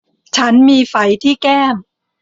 ฉันมีไฝที่แก้ม